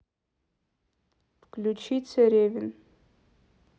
включи царевин